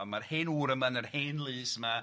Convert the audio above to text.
Ond ma'r hen ŵr yma yn yr Hen Lys yma... Ia...